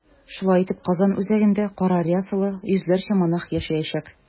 Шулай итеп, Казан үзәгендә кара рясалы йөзләрчә монах яшәячәк.